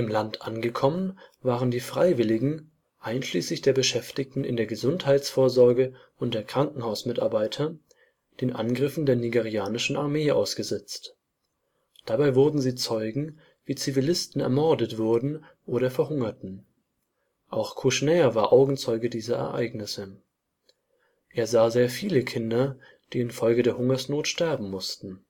Land angekommen, waren die Freiwilligen, einschließlich der Beschäftigten in der Gesundheitsvorsorge und der Krankenhausmitarbeiter den Angriffen der nigerianischen Armee ausgesetzt. Dabei wurden sie Zeugen, wie Zivilisten ermordet wurden oder verhungerten. Auch Kouchner war Augenzeuge dieser Ereignisse. Er sah sehr viele Kinder, die in Folge der Hungersnot sterben mussten